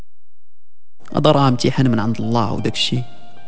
هذا رقم عمتي حنان عبد الله عندك شيء